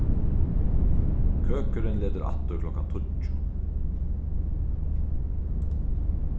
køkurin letur aftur klokkan tíggju